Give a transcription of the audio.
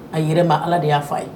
A yɛrɛ ma ala de y'a f' a ye